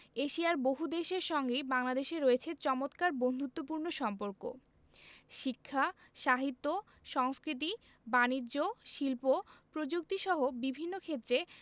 এশিয়ার বহুদেশের সঙ্গেই বাংলাদেশের রয়েছে চমৎকার বন্ধুত্বপূর্ণ সম্পর্ক শিক্ষা সাহিত্য সংস্কৃতি বানিজ্য শিল্প প্রযুক্তিসহ বিভিন্ন ক্ষেত্রে